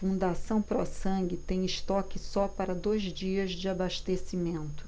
fundação pró sangue tem estoque só para dois dias de abastecimento